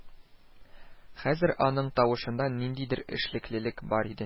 Хәзер аның тавышында ниндидер эшлеклелек бар иде